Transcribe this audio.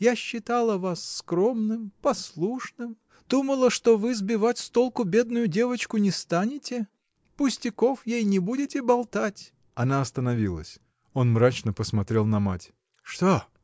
Я считала вас скромным, послушным, думала, что вы сбивать с толку бедную девочку не станете, пустяков ей не будете болтать. Она остановилась. Он мрачно посмотрел на мать. — Что!